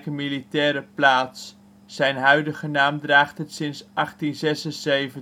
militaire plaats, zijn huidige naam draagt het sinds 1876